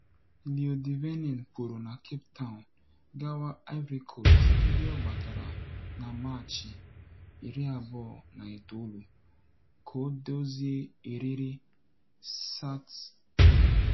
Leon Thevenin pụrụ na Cape Town gawa Ivory Coast ebe ọ batara na Maachị 29 ka o dozie eriri SAT-3.